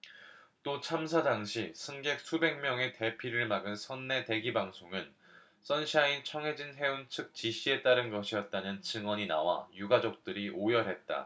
또 참사 당시 승객 수백 명의 대피를 막은 선내 대기방송은 선사인 청해진 해운 측 지시에 따른 것이었다는 증언이 나와 유가족들이 오열했다